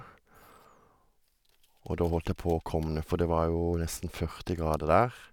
Og da holdt jeg på å kovne, for det var jo nesten førti grader der.